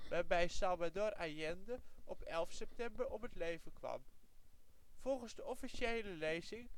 waarbij Salvador Allende op 11 september om het leven kwam. Volgens de officiële lezing